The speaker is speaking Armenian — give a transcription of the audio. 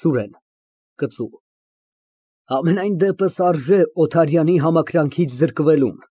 ՍՈՒՐԵՆ ֊ (Կծու) Համենայն դեպս, արժե Օթարյանի համակրանքից զրկվելուն։